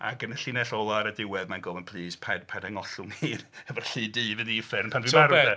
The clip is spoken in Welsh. Ac yn y llinell olaf ar y diwedd mae'n gofyn; plis pai- paid a ngollwng i'i... efo'r llu du i fynd i uffern pan dwi'n marw 'de.